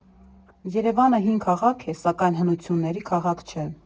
Երևանը հին քաղաք է, սակայն հնությունների քաղաք չէ։